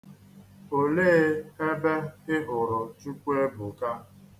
Olee ebe ị hụrụ Chukwuebuka?